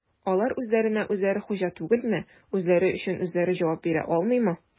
Алар үзләренә-үзләре хуҗа түгелме, үзләре өчен үзләре җавап бирә алмыймы?